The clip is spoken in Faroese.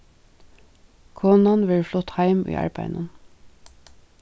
konan verður flutt heim í arbeiðinum